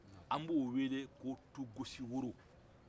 a b'o wele ko tukosiworo